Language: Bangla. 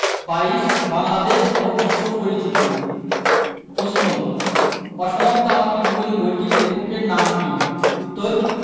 ২২ বাংলাদেশ ও বিশ্ব পরিচিতি প্রশ্ন অসমাপ্ত আত্মজীবনী বইটির লেখকের নাম কী উত্তর